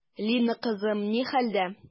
Лина кызым ни хәлдә?